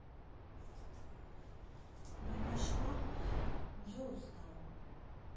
не нашла уже устал